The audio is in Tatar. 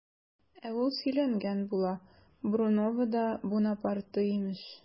Ә ул сөйләнгән була, Бруновода Бунапарте имеш!